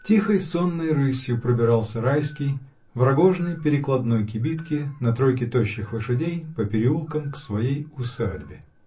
Тихой, сонной рысью пробирался Райский, в рогожной перекладной кибитке, на тройке тощих лошадей, по переулкам, к своей усадьбе.